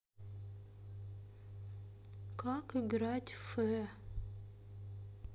как играть фэ